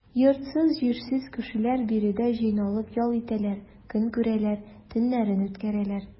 Йортсыз-җирсез кешеләр биредә җыйналып ял итәләр, көн күрәләр, төннәрен үткәрәләр.